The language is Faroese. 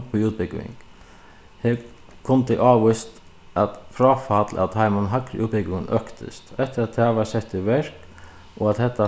í útbúgving kundi ávíst at fráfall av teimum hægru útbúgvingunum øktist eftir at tað varð sett í verk og at hetta